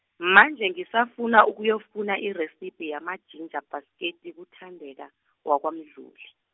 manje ngisafuna ukuyokufuna iresiphi yamajinja bhasketi kuThandeka, waKwaMdluli.